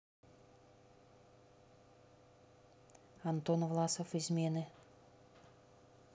антон власов измены